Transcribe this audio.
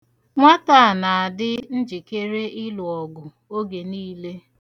Nwata a na-adị njikere ịlụ ọgụ oge niile.